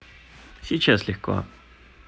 сейчас легко